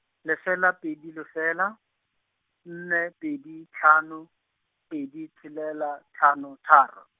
lefela pedi lefela, nne pedi hlano, pedi tshelela, hlano, tharo.